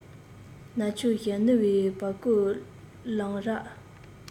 ན ཆུང གཞོན ནུའི བ སྤུ ལངས རབས